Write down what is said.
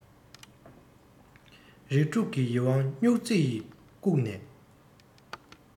རིགས དྲུག གི ཡིད དབང སྨྱུག རྩེ ཡིས བཀུག ནས